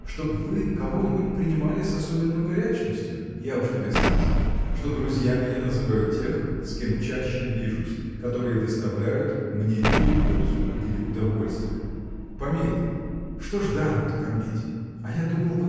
чтоб вы кого-нибудь принимали с особенною горячностью. – Я уж тебе сказывал что друзьями я называю тех с кем чаще вижусь которые доставляют мне или пользу или удовольствие. Помилуй! что ж даром-то кормить? – А я думал